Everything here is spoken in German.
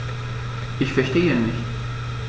Ich verstehe nicht.